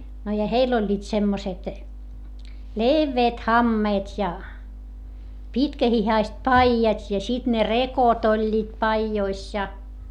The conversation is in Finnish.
no ja heillä olivat semmoiset leveät hameet ja pitkähihaiset paidat ja sitten ne rekot olivat paidoissa ja